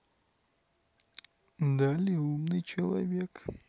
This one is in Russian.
dali умный человек